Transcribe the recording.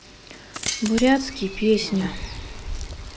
бурятский песня